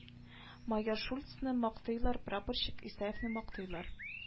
Майор шульцны мактыйлар прапорщик исаевны мактыйлар